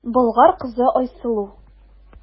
Болгар кызы Айсылу.